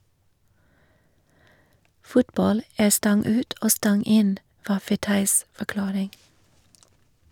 Fotball er stang ut og stang inn, var Fetais forklaring.